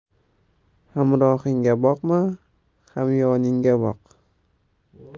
hamrohingga boqma hamyoningga boq